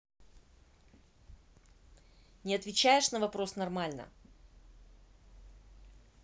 не отвечаешь на вопрос нормально